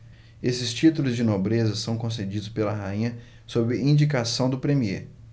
esses títulos de nobreza são concedidos pela rainha sob indicação do premiê